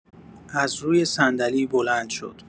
از روی صندلی بلند شد